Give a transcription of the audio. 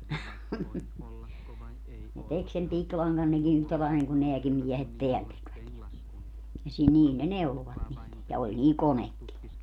ne teki sen pikilangan nekin yhtä lailla niin kuin nämäkin miehet täällä tekivät ja ja sillä niillä ne neuloivat niitä ja oli niillä konekin